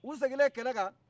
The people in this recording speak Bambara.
u seginnen kɛlɛ kan